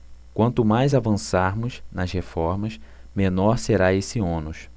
quanto mais avançarmos nas reformas menor será esse ônus